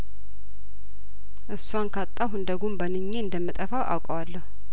እሷን ካጣሁ እንደ ጉም በንኜ እንደምጠፋ አውቀዋለሁ